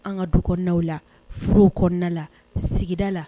An ka du kɔnɔnaɛw la, furu kɔnɔna la, sigida la.